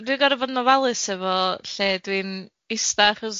Ma' dwi'n gorfod bod yn ofalus efo lle dwi'n isda